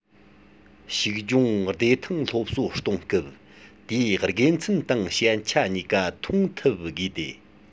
ཞུགས སྦྱོང བདེ ཐང སློབ གསོ གཏོང སྐབས དེའི དགེ མཚན དང ཞན ཆ གཉིས ཀ མཐོང ཐུབ དགོས ཏེ